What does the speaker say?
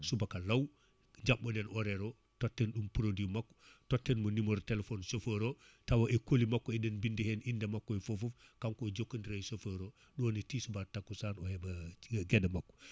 subaka law jabɓoɗen horaire o totten ɗum produit makko totten mo numéro téléphone chauffeur o tawa e colis makko eɗen bindi hen inde makko e foof kanko o jokkodira e chauffeur o ɗon e tisubar takkusan o heeɓa * gueɗe makko